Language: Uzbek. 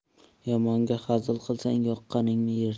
yomonga hazil qilsang yoqangni yirtar